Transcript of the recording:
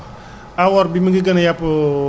la awoor bi gën a yab ci biir région bi